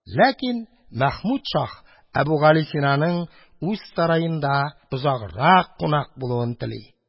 Ләкин Мәхмүд шаһ Әбүгалисинаның үз сараенда озаграк кунак булуын тели.